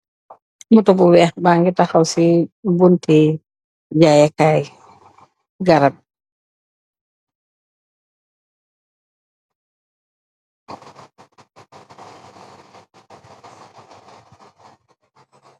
Moto bu wèèx bangi taxaw si buntti jayèh Kay jarab .